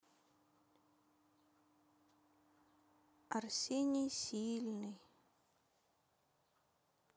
арсений сильный